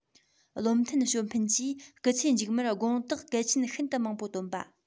བློ མཐུན ཞའོ ཕིན གྱིས སྐུ ཚེ མཇུག མར དགོངས དོན གལ ཆེན ཤིན ཏུ མང པོ བཏོན པ